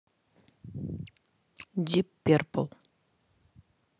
дип перпл